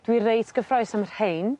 Dwi reit gyffrous am rhein